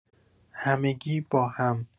همگی با هم